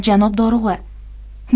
janob dorug'a